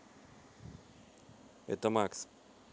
это макс